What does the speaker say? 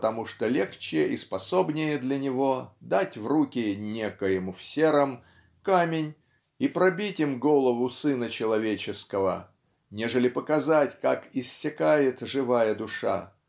потому что легче и способнее для него дать в руки Некоему в сером камень и пробить им голову сына человеческого нежели показать как иссякает живая душа